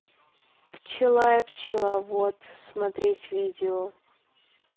пчела я пчеловод смотреть видео